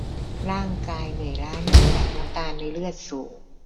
ร่างกายเหนื่อยล้าเนื่องจากน้ำตาลในเลือดสูง